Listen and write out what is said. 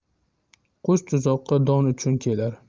qush tuzoqqa don uchun kelar